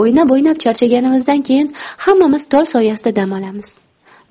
o'ynab o'ynab charchaganimizdan keyin hammamiz tol soyasida dam olamiz